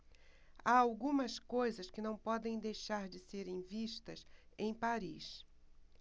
há algumas coisas que não podem deixar de serem vistas em paris